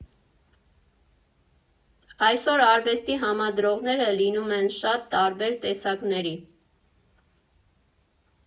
Այսօր արվեստի համադրողները լինում են շատ տարբեր տեսակների։